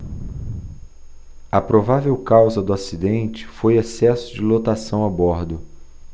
a provável causa do acidente foi excesso de lotação a bordo